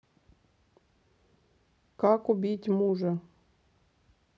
как убить мужа